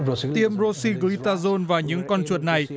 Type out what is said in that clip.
tiêm rô xin gờ ri ta rôn vào những con chuột này